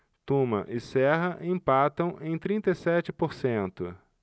tuma e serra empatam em trinta e sete por cento